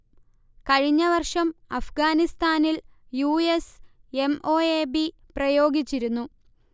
കഴിഞ്ഞ വർഷം അഫ്ഗാനിസ്ഥാനിൽ U. S. M. O. A. B. പ്രയോഗിച്ചിരുന്നു